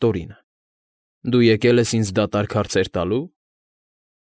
Տորինը։֊ Դու եկել ես ինձ դատարկ հարցեր տալո՞ւ։